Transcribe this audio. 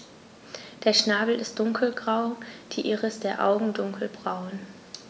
Der Schnabel ist dunkelgrau, die Iris der Augen dunkelbraun.